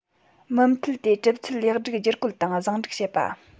མུ མཐུད དེ གྲུབ ཚུལ ལེགས སྒྲིག བསྒྱུར བཀོད དང བཟང སྒྲིག བྱེད པ